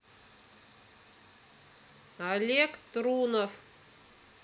олег трунов